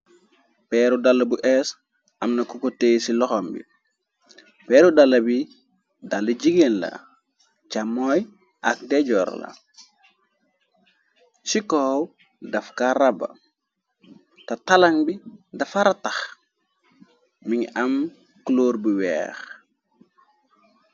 peeru dala bu ees amna koko tey ci loxam bi peeru dala bi dali jigéen la ca mooy ak dejoor la chikow daf karaba te talaŋ bi dafara tax mi ngi am clor bu weex